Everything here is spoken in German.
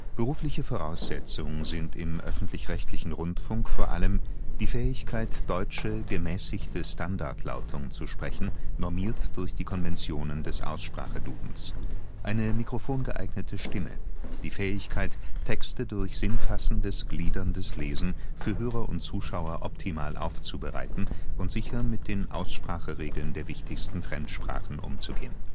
Berufliche Voraussetzung sind im öffentlich-rechtlichen Rundfunk vor allem: Die Fähigkeit, deutsche „ gemäßigte Standardlautung “zu sprechen (normiert durch die Konventionen des Aussprache-Dudens) Eine mikrofongeeignete Stimme Die Fähigkeit, Texte durch sinnfassendes, gliederndes Lesen für Hörer und Zuschauer optimal aufzubereiten und sicher mit den Ausspracheregeln der wichtigsten Fremdsprachen umzugehen